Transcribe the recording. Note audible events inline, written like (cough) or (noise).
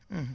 (hesitation) (hesitation)